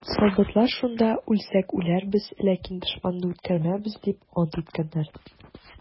Солдатлар шунда: «Үлсәк үләрбез, ләкин дошманны үткәрмәбез!» - дип ант иткәннәр.